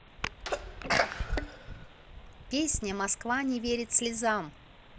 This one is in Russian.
песня москва не верит слезам